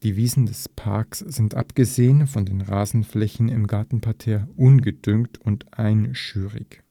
Wiesen des Parks sind abgesehen von den Rasenflächen im Gartenparterre ungedüngt und einschürig